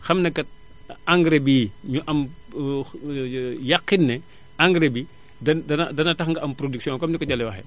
xam ne kat engrais bii ñu am yaqin ne engrais bi dina dana dana tax nga am production comme ni ko Jalle waxee